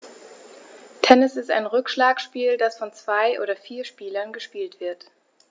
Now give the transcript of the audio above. Tennis ist ein Rückschlagspiel, das von zwei oder vier Spielern gespielt wird.